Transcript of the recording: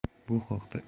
bu haqda